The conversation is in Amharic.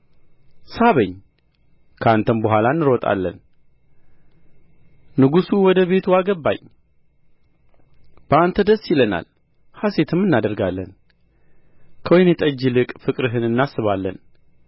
ሳበኝ ከአንተም በኋላ እንሮጣለን ንጉሡ ወደ ቤቱ አገባኝ በአንተ ደስ ይለናል ሐሤትም እናደርጋለን ከወይን ጠጅ ይልቅ ፍቅርህን እናስባለን